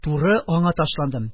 Туры аңа ташландым.